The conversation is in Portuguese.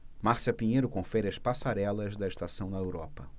márcia pinheiro confere as passarelas da estação na europa